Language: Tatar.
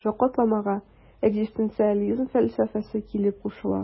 Шушы катламга экзистенциализм фәлсәфәсе килеп кушыла.